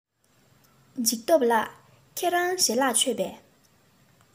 འཇིགས སྟོབས ལགས ཁྱེད རང ཞལ ལག མཆོད པས